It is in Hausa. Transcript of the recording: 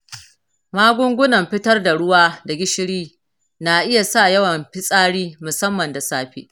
magungunan fitar da ruwa da gishiri na iya sa yawan fitsari, musamman da safe.